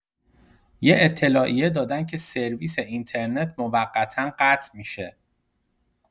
یه اطلاعیه دادن که سرویس اینترنت موقتا قطع می‌شه.